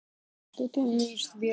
что ты умеешь сбер